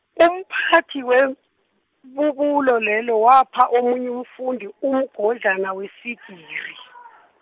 umphathi webubulo lelo wapha omunye umfundi umgodlana weswigiri.